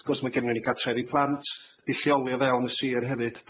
Wrth gwrs ma' gennyn ni gartrefi plant 'di lleoli o fewn y sir hefyd.